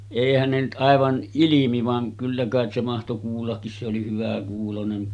eihän ne nyt aivan ilmi vaan kyllä kai se mahtoi kuullakin se oli hyväkuuloinen